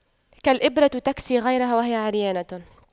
كالإبرة تكسي غيرها وهي عريانة